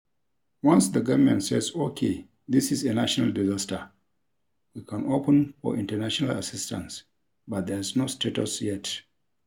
"Once the government says, "O.K., this is a national disaster," we can open for international assistance but there's no status yet."